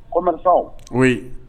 Ko maw mun ye